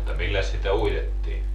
mutta milläs sitä uitettiin